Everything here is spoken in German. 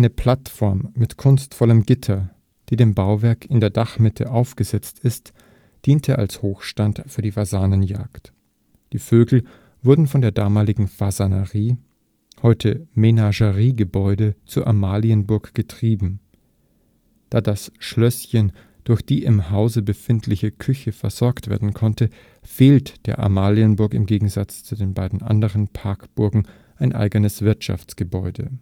Plattform mit kunstvollem Gitter, die dem Bauwerk in der Dachmitte aufgesetzt ist, diente als Hochstand für die Fasanenjagd: Die Vögel wurden von der damaligen Fasanerie (heute Menageriegebäude) zur Amalienburg getrieben. Da das Schlösschen durch die im Hause befindliche Küche versorgt werden konnte, fehlt der Amalienburg im Gegensatz zu den beiden anderen Parkburgen ein eigenes Wirtschaftsgebäude